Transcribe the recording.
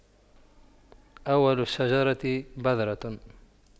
أول الشجرة بذرة